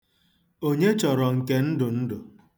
Onye chọrọ nke ndụndụ?